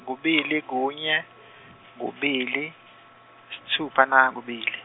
kubili kunye, kubili, sitfupha nakubili.